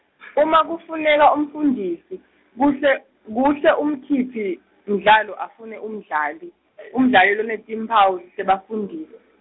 uma kufuneka umfundisi, kuhle, kuhle umkhiphi, mdlalo afune umdlali, umdlali lonetimphawu, tebufundisi.